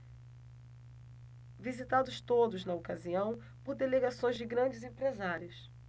visitados todos na ocasião por delegações de grandes empresários